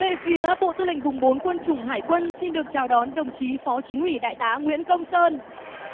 về phía bộ tư lệnh vùng bốn quân chủng hải quân xin được chào đón đồng chí phó chính ủy đại tá nguyễn công sơn